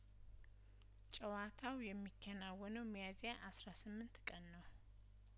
ጨዋታው የሚከናወነው ሚያዝያ አስራ ስምንት ቀን ነው